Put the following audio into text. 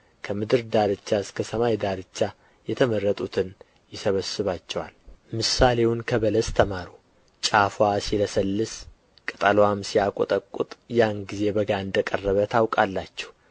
ከምድር ዳርቻ እስከ ሰማይ ዳርቻ የተመረጡትን ይሰበስባቸዋል ምሳሌውንም ከበለስ ተማሩ ጫፍዋ ሲለሰልስ ቅጠልዋም ሲያቈጠቍጥ ያን ጊዜ በጋ እንደ ቀረበ ታውቃላችሁ